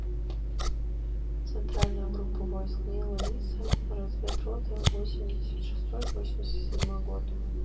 центральная группа войск мила лиса развед рота восемьдесят шестой восемьдесят седьмой год